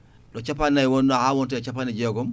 ɗo capannayyi wonno ha wonta capnɗe jeegom